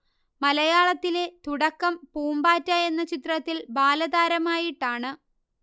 മലയാളത്തിലെ തുടക്കം പൂമ്പാറ്റ എന്ന ചിത്രത്തിൽ ബാലതാരമായിട്ടാണ്